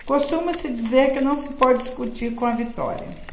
costuma-se dizer que não se pode discutir com a vitória